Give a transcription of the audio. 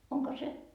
onko se